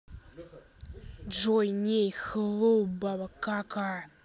джой ней hello баба кака